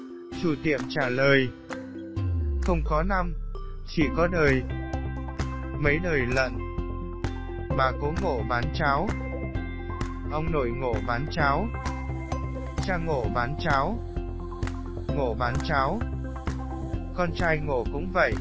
chủ tiệm không có năm chỉ có đời mấy đời lận bà cố ngộ bán cháo ông nội ngộ bán cháo cha ngộ bán cháo ngộ bán cháo con trai ngộ